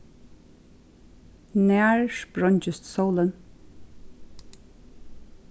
nær spreingist sólin